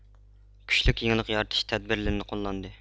كۈچلۈك يېڭىلىق يارىتىش تەدبىرلىرىنى قوللاندى